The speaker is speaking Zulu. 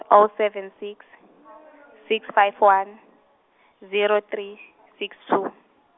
oh seven six, six five one, zero three, six two.